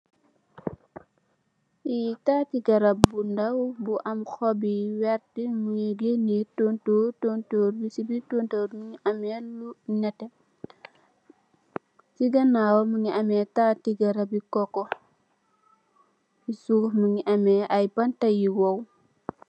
Fi tati garab bu ndaw bu ab xop yu werta monge genee tonturr tonturr si birr tonturr mongi am lu nete si ganaw mongi am tati garab coco si suuf mongi ame ay banta yu woow.